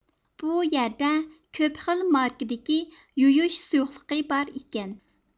بۇ يەردە كۆپ خىل ماركىدىكى يۇيۇش سۇيۇقلۇقى بار ئىكەن